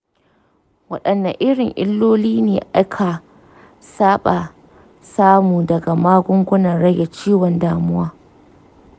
waɗanne irin iloli ne aka saba samu daga magungunan rage ciwon damuwa?